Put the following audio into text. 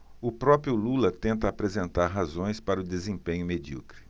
o próprio lula tenta apresentar razões para o desempenho medíocre